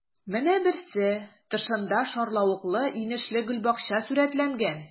Менә берсе: тышында шарлавыклы-инешле гөлбакча сурәтләнгән.